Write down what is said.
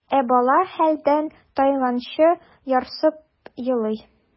Ә бала хәлдән тайганчы ярсып елый.